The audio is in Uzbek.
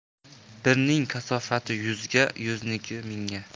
birning kasofati yuzga yuzniki mingga